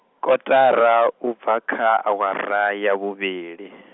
kotara u bva kha awara ya vhuvhili.